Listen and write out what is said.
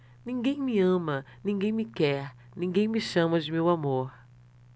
ninguém me ama ninguém me quer ninguém me chama de meu amor